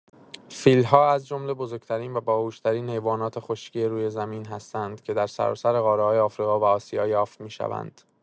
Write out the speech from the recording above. فیل‌ها از جمله بزرگ‌ترین و باهوش‌ترین حیوانات خشکی روی زمین هستند که در سراسر قاره‌های آفریقا و آسیا یافت می‌شوند.